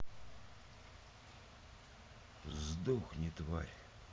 сдохни тварь